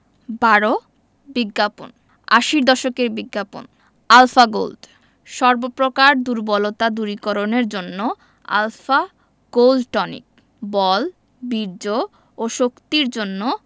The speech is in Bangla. ১২ বিজ্ঞাপন আশির দশকের বিজ্ঞাপন আলফা গোল্ড সর্ব প্রকার দুর্বলতা দূরীকরণের জন্য আল্ ফা গোল্ড টনিক বল বীর্য ও শক্তির জন্য